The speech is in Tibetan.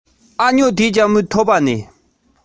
བྲལ ཏེ མི ཚང གཞན ཞིག ཏུ